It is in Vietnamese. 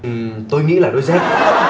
ừm tôi nghĩ là đôi dép